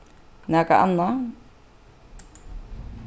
nakað annað